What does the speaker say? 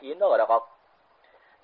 keyin nogora qoq